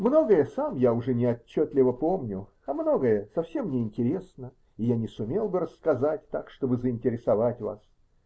Многое сам я уже не отчетливо помню, а многое совсем не интересно, и я не сумел бы рассказать так, чтобы заинтересовать вас.